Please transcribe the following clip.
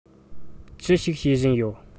ཅི ཞིག བྱེད བཞིན ཡོད